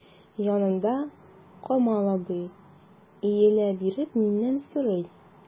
Янымда— Камал абый, иелә биреп миннән сорый.